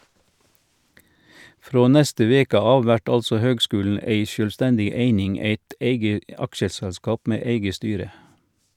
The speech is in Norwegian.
Frå neste veke av vert altså høgskulen ei sjølvstendig eining, eit eige aksjeselskap med eige styre.